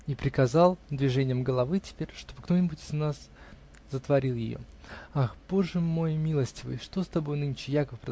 И показал движением головы дверь, чтобы кто-нибудь из нас затворил ее. -- Ах, Боже мой милостивый! что с тобой нынче, Яков?